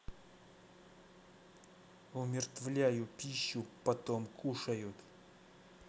умертвляю пищу потом кушают